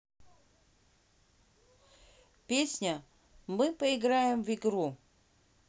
песня мы поиграем в игра